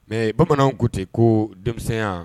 Mɛ bamananw ko kuyate ko denmisɛnwya